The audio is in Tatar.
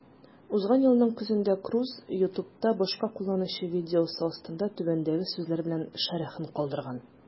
Узган елның көзендә Круз YouTube'та башка кулланучы видеосы астында түбәндәге сүзләр белән шәрехен калдырган: